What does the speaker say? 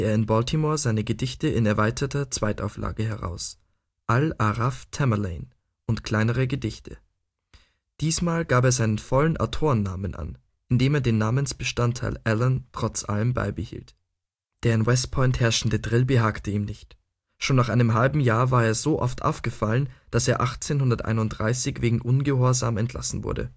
in Baltimore seine Gedichte in erweiterter Zweitauflage heraus: „ Al Aaraf, Tamerlane und kleinere Gedichte “. Diesmal gab er seinen vollen Autorennamen an, in dem er den Namensbestandteil „ Allan “trotz allem beibehielt. Der in West Point herrschende Drill behagte ihm nicht. Schon nach einem halben Jahr war er so oft aufgefallen, dass er 1831 wegen Ungehorsams entlassen wurde